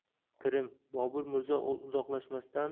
pirim bobur mirzo uzoqlashmasdan